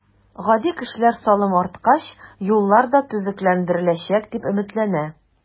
Гади кешеләр салым арткач, юллар да төзекләндереләчәк, дип өметләнә.